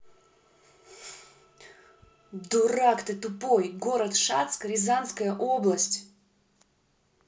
дурак ты тупой город шацк рязанская область